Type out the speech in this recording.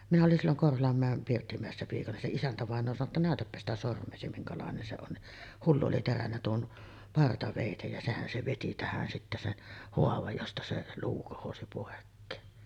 minä olin silloin Korholanmäen Pirttimäessä piikana se isäntävainaja sanoi jotta näytäpä sitä sormeasi minkälainen se on niin hullu oli terännyt tuon partaveitsen ja sehän se veti tähän sitten sen haavan josta se luu kohosi pois